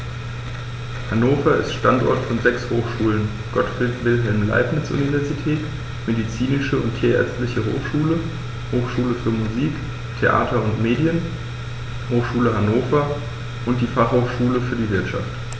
Hannover ist Standort von sechs Hochschulen: Gottfried Wilhelm Leibniz Universität, Medizinische und Tierärztliche Hochschule, Hochschule für Musik, Theater und Medien, Hochschule Hannover und die Fachhochschule für die Wirtschaft.